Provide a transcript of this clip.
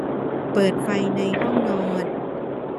เปิดไฟในห้องนอน